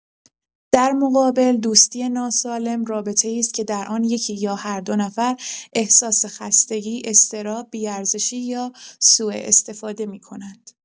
در مقابل، دوستی ناسالم رابطه‌ای است که در آن یکی یا هر دو نفر احساس خستگی، اضطراب، بی‌ارزشی یا سوءاستفاده می‌کنند.